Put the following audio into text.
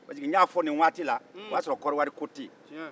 parce que ne y'a fɔ nin waati la o y'a sɔrɔ kɔnɔwari ko tɛ yen